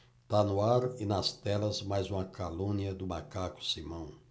tá no ar e nas telas mais uma calúnia do macaco simão